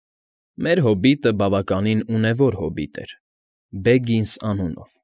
Մեր հոբիտը բավականին ունևոր հոբիտ էր՝ Բեգինս ազգանունով։